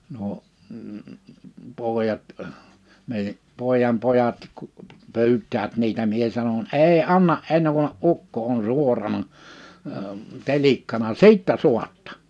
nuo pojat meidän pojanpojat kun pyytävät niitä minä sanon ei anna ennen kuin ukko on suorana - telikkana sitten saatte